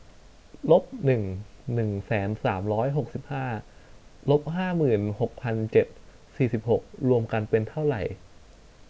ลบหนึ่งหนึ่งแสนสามร้อยหกสิบห้าลบห้าหมื่นหกพันเจ็ดสี่สิบหกรวมกันเป็นเท่าไหร่